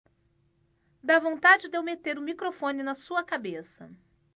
dá vontade de eu meter o microfone na sua cabeça